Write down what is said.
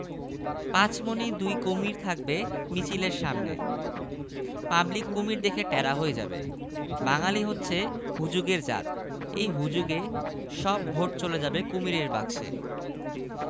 তা তো বটেই যুক্তিসংগত কথা আচ্ছা দু হাজারই নাও আমার দিকে একটু খেয়াল রাখবে তা তো রাখবোই প্রতীক কি পেয়েছেন খবর দিবেন আমরা বিবিসি শ্রবণ সমিতি আপনার পেছনে আছি